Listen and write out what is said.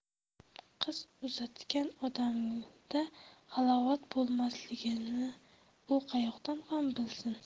qiz uzatgan odamda halovat bo'lmasligini u qayoqdan ham bilsin